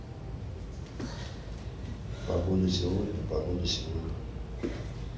погода сегодня погода сегодня